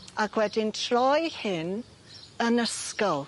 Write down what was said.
Ag wedyn troi hyn yn ysgol.